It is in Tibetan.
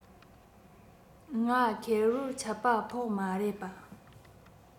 ང ཁེར བོར ཆད པ ཕོག མ རེད པ